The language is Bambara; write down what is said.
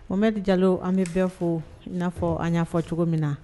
Mo bɛ jalo an bɛ bɛ fo n'a fɔ an y'a ɲɛfɔ cogo min na